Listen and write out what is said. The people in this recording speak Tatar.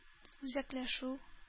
Үзәкләшү